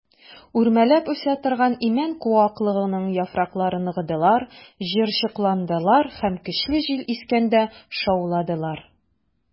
Үрмәләп үсә торган имән куаклыгының яфраклары ныгыдылар, җыерчыкландылар һәм көчле җил искәндә шауладылар.